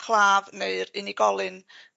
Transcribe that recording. claf neu'r unigolyn